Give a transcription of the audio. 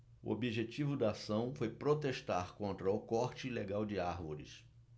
o objetivo da ação foi protestar contra o corte ilegal de árvores